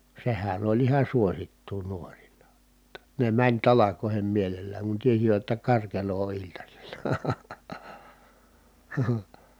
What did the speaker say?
sehän oli ihan suosittua nuorilla jotta ne meni talkoisiin mielellään kun tiesivät jotta karkelo on iltasilla